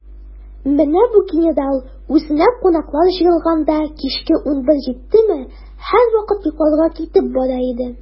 Менә бу генерал, үзенә кунаклар җыелганда, кичке унбер җиттеме, һәрвакыт йокларга китеп бара иде.